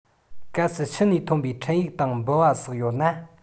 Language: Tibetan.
གལ སྲིད ཕྱི ནས ཐོན པའི འཕྲིན ཡིག དང འབུལ བ སོགས ཡོད ན